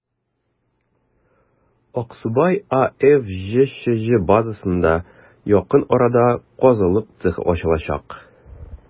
«аксубай» аф» җчҗ базасында якын арада казылык цехы ачылачак.